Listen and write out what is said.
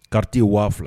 Karata waa fila